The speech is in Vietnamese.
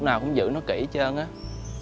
nào cũng giữ nó kĩ hết trơn á